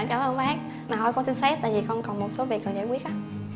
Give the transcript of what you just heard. cảm ơn bác mà thôi con xin phép tại vì con còn một số việc phải giải quyết